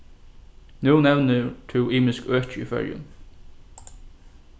nú nevnir tú ymisk øki í føroyum